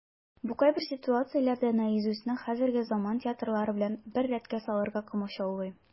Бу кайбер ситуацияләрдә "Наизусть"ны хәзерге заман театрылары белән бер рәткә салырга комачаулый.